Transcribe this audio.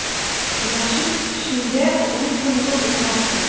Мәчет эчендә үле тынлык урнашты.